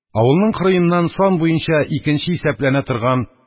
Авылның кырыеннан сан буенча икенче исәпләнә торган